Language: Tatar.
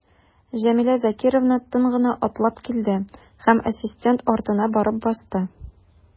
Җәмилә Закировна тын гына атлап килде һәм ассистент артына барып басты.